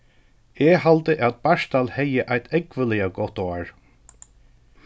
eg haldi at bartal hevði eitt ógvuliga gott ár